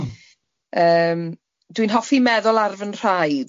...yym dwi'n hoffi meddwl ar fy nhraed.